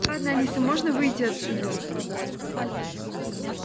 ладно алиса можно выйти отсюда